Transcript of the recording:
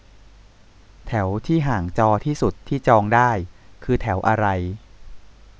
แถวที่ห่างจอที่สุดที่จองได้คือแถวอะไร